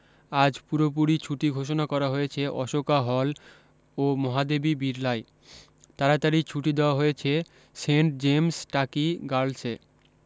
আজ পুরোপুরি ছুটি ঘোষণা করা হয়েছে অশোকা হল ও মহাদেবী বিড়লায় তাড়াতাড়ি ছুটি দেওয়া হয়েছে সেন্ট জেমস টাকি গারলসে